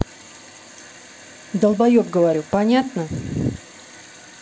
долбоеб говорю понятно